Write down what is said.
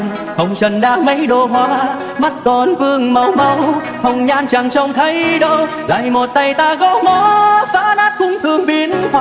hồng trần đã mấy độ hoa mắt còn lưu màu máu hồng nhan chẳng chông thấy đâu lại một tay ta gõ mõ phá nát cương thường biên họa